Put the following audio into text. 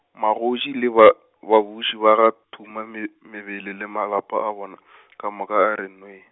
magoši le ba, babuši ba ga, tuma me-, mebele le malapa a bona , ka moka, a re nnawee. ra ga